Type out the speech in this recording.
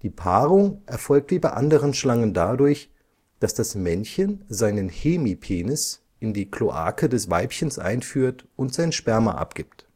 Paarung erfolgt wie bei anderen Schlangen dadurch, dass das Männchen seinen Hemipenis in die Kloake des Weibchens einführt und sein Sperma abgibt